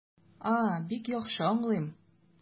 А, бик яхшы аңлыйм.